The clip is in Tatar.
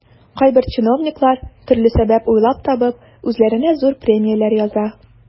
Кайбер чиновниклар, төрле сәбәп уйлап табып, үзләренә зур премияләр яза.